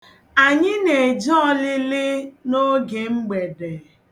Anyị na-eje ọlịlị n'oge mgbede.